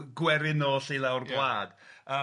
gwerinol lly lawr gwlad... Ia.